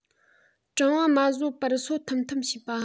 གྲང བ མ བཟོད པར སོ ཐམ ཐམ བྱེད པ